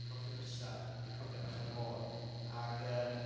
cnocio drysa, recordio bach ar y môr. Ac yym